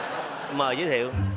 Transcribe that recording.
mời giới thiệu